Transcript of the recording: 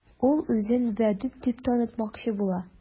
Ул үзен Вәдүт дип танытмакчы була.